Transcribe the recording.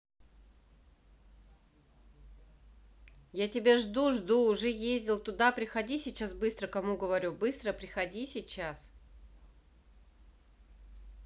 я тебя жду жду уже ездил туда приходи сейчас быстро кому говорю быстро приходи сейчас